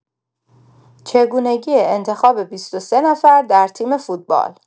چگونگی انتخاب ۲۳ نفر در تیم فوتبال